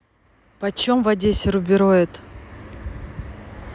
почем в одессе рубироид